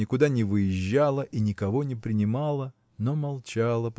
никуда не выезжала и никого не принимала но молчала